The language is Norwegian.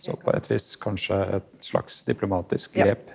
så på et vis kanskje et slags diplomatisk grep?